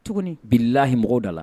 Tuguni bilalayimɔgɔ da la